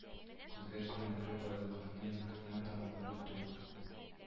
Күзгә күренерлек байлыклары юк әмма тамаклары тук